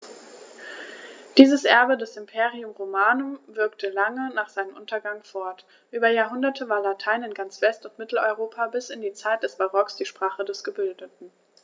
Dieses Erbe des Imperium Romanum wirkte lange nach seinem Untergang fort: Über Jahrhunderte war Latein in ganz West- und Mitteleuropa bis in die Zeit des Barock die Sprache der Gebildeten.